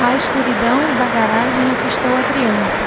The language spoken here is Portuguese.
a escuridão da garagem assustou a criança